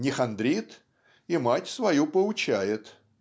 не хандрит и мать свою поучает